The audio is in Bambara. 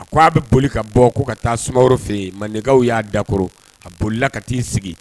A k ko aa bɛ boli ka bɔ ko ka taa sumaworo fɛ yen mandenkaw y'a dakoro a bolila ka'i sigi